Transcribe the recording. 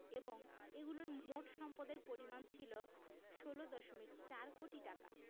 এবং এগুলোর মোট সম্পদের পরিমাণ ছিল ১৬দশমিক ৪ কোটি টাকা